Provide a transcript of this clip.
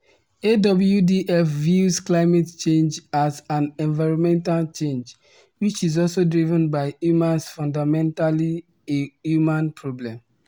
AWDF views climate change as an environmental change, which is also driven by humans—fundamentally a human problem.